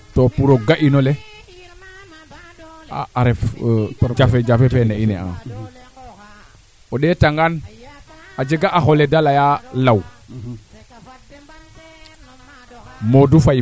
ndaa fogum jafe jafe jegu teen kaa andim koy ndax kaa jambe jiku keeke xure fee te xooxa pour te jik no jeger fee parce que a woorane a mbanu i ngooxna